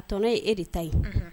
A tɔnɔ ye e de ta ye